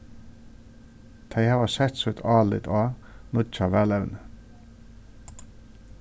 tey hava sett sítt álit á nýggja valevnið